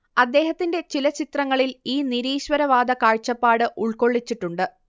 അദ്ദേഹത്തിന്റെ ചില ചിത്രങ്ങളിൽ ഈ നിരീശ്വരവാദ കാഴ്ചപ്പാട് ഉൾക്കൊള്ളിച്ചിട്ടുണ്ട്